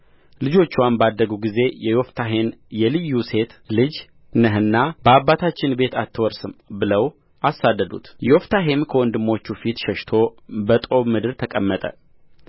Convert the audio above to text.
ልጆችዋም ባደጉ ጊዜ ዮፍታሔን የልዩ ሴት ልጅ ነህና በአባታችን ቤት አትወርስም ብለው አሳደዱት ዮፍታሔም ከወንድሞቹ ፊት ሸሽቶ በጦብ ምድር ተቀመጠ